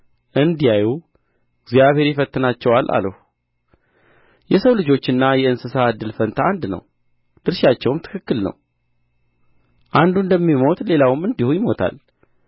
እንዲያዩ እግዚአብሔር ይፈትናቸዋል አልሁ የሰው ልጆችና የእንስሳ እድል ፈንታ አንድ ነው ድርሻቸውም ትክክል ነው አንዱ እንደሚሞት ሌላውም እንዲሁ ይሞታል